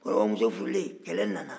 kɔrɔbɔrɔ muso furulen kɛlɛ nana